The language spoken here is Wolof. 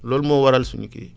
loolu moo waral suñu kii